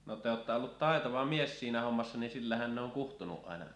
no te olette ollut taitava mies siinä hommassa niin sillähän ne on kutsunut aina